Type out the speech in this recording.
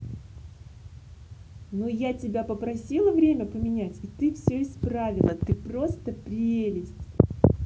ну я тебя попросила время поменять и ты все исправила ты просто прелесть